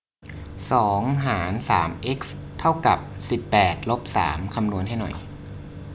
สองหารสามเอ็กซ์เท่ากับสิบแปดลบสามคำนวณให้หน่อย